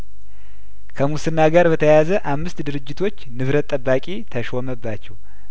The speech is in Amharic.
ከሙስና ጋር በተያያዘ አምስት ድርጅቶች ንብረት ጠባቂ ተሾመባቸው